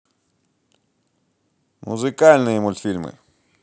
музыкальные мультфильмы